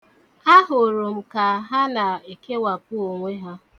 Ahụrụ m ka ha na-ekewapụ onwe ha.